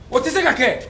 O tɛ se ka kɛ